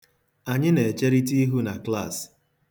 Anyị na-echerịta ihu na klas.